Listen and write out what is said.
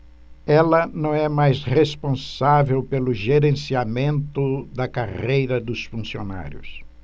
ela não é mais responsável pelo gerenciamento da carreira dos funcionários